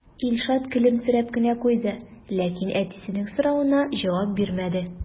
Илшат көлемсерәп кенә куйды, ләкин әтисенең соравына җавап бирмәде.